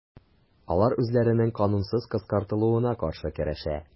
Алар үзләренең канунсыз кыскартылуына каршы көрәшә.